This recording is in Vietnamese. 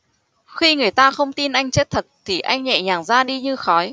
khi người ta không tin anh chết thật thì anh nhẹ nhàng ra đi như khói